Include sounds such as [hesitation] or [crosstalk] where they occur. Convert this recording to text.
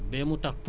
[hesitation] [hesitation]